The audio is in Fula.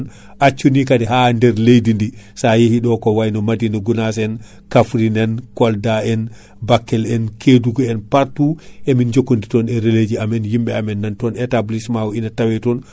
accu ni kaadi ha nder leydi ndi sa yeeyi ɗo ko wayno Madina Gounass en ,Kafrine en ,Kolda en , Bakel en ,Kédougou en partout emin jokkodiri ton e relais ji amen yimɓe amen nata ton établissement ina tawe ton